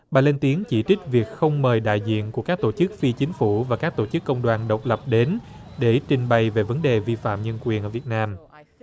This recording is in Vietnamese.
bà lên tiếng chỉ trích việc không mời đại diện của các tổ chức phi chính phủ và các tổ chức công đoàn độc lập đến để trình bày về vấn đề vi phạm nhân quyền ở việt nam